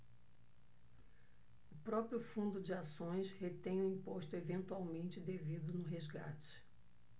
o próprio fundo de ações retém o imposto eventualmente devido no resgate